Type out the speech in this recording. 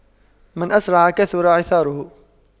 من أسرع كثر عثاره